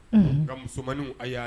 Nka musomanmani a y'a